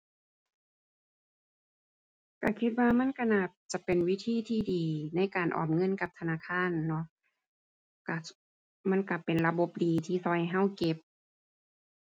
ก็คิดว่ามันก็น่าจะเป็นวิธีที่ดีในการออมเงินกับธนาคารเนาะ ก็ มันก็เป็นระบบดีที่ก็ให้ก็เก็บ